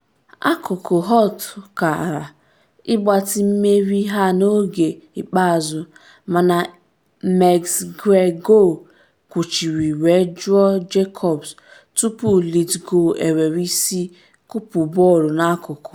Akụkụ Holt kaara ịgbatị mmeri ha n’oge ikpeazụ mana McGregor kwuchiri wee jụ Jacobs, tupu Lithgow ewere isi kụpụ bọọlụ n’akụkụ.